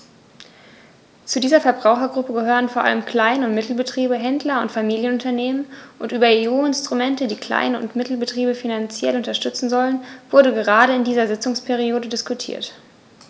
Zu dieser Verbrauchergruppe gehören vor allem Klein- und Mittelbetriebe, Händler und Familienunternehmen, und über EU-Instrumente, die Klein- und Mittelbetriebe finanziell unterstützen sollen, wurde gerade in dieser Sitzungsperiode diskutiert.